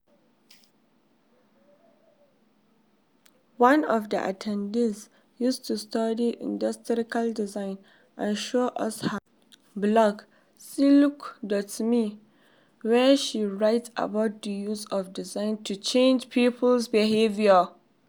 One of the attendees used to study industrial design, and showed us her blog, Selouk.me, where she writes about the use of design to change people's behaviour.